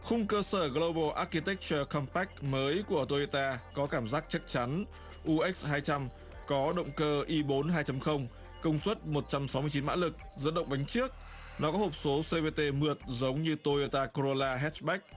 khung cơ sở gờ lâu bồ ác ki tếch chờ căm bách mới của tô dô ta có cảm giác chắc chắn u ếch hai trăm có động cơ i bốn hai chấm không công suất một trăm sáu mươi chín mã lực dẫn động bánh trước nó có hộp số xê vê tê mượt giống như tô dô ta cô rô na hét bếch